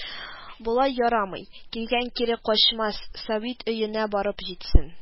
– болай ярамый, килгән кире качмас, сәвит өенә барып җитсен